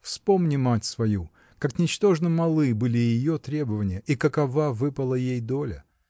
Вспомни мать свою: как ничтожно малы были ее требования, и какова выпала ей доля?